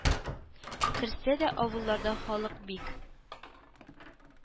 Керсә дә, авылларда халык бик